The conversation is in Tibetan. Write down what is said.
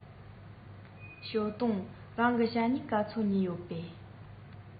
ཞའོ ཏུང རང གིས ཞྭ སྨྱུག ག ཚོད ཉོས ཡོད པས